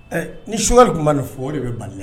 Ɛ ni sunka de tun bɛ nin fɔ de bɛ ban